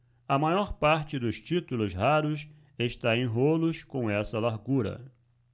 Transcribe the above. a maior parte dos títulos raros está em rolos com essa largura